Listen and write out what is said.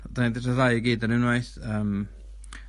'dan ni di ryddhau i gyd ar unwaith yym